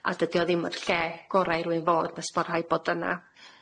A dydi o ddim y lle gorau i rywun fod nes bo' rhaid bod yna.